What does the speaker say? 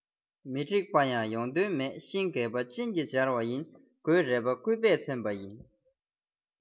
མི འགྲིག པ ཡང ཡོང དོན མེད ཤིང གས པ སྤྱིན གྱིས སྦྱར བ ཡིན གོས རལ པ སྐུད པས འཚེམ པ ཡིན